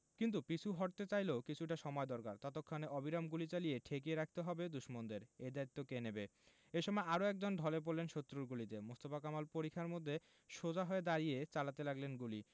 কিন্তু পিছু হটতে চাইলেও কিছুটা সময় দরকার ততক্ষণ অবিরাম গুলি চালিয়ে ঠেকিয়ে রাখতে হবে দুশমনদের এ দায়িত্ব কে নেবে এ সময় আরও একজন ঢলে পড়লেন শত্রুর গুলিতে মোস্তফা কামাল পরিখার মধ্যে সোজা হয়ে দাঁড়িয়ে চালাতে লাগলেন গুলি